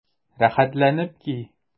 Рәхәтләнеп ки!